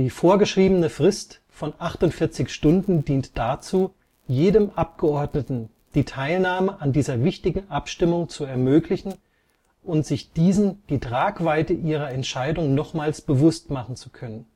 vorgeschriebene Frist von 48 Stunden dient dazu, jedem Abgeordneten die Teilnahme an dieser wichtigen Abstimmung zu ermöglichen und sich diesen die Tragweite ihrer Entscheidung nochmals bewusst machen zu können